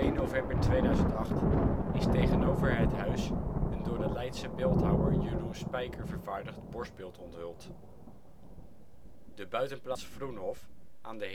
november 2008 is tegenover het huis een door de Leidse beeldhouwer Jeroen Spijker vervaardigd borstbeeld onthuld. De buitenplaats Vroenhof aan de